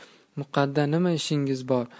muqadda nima ishingiz bor